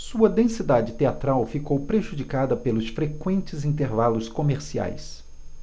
sua densidade teatral ficou prejudicada pelos frequentes intervalos comerciais